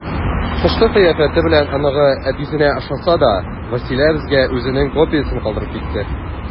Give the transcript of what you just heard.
Тышкы кыяфәте белән оныгы әтисенә охшаса да, Вәсилә безгә үзенең копиясен калдырып китте.